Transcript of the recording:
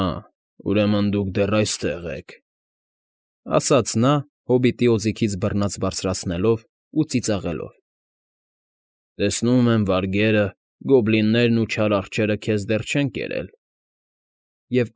Ա՜, ուրեմն դուք դեռ այստեղ եք,֊ ասաց նա՝ հոբիտի օձիքից բռնած բարձրացնելով ու ծիծաղելով։֊ Տեսնում եմ, վարգերը, գոբլինները ու չար արջերը քեզ դեռ չեն կերել։֊ Եվ։